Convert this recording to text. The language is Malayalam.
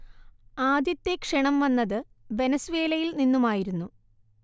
ആദ്യത്തെ ക്ഷണം വന്നത് വെനസ്വേലയിൽ നിന്നുമായിരുന്നു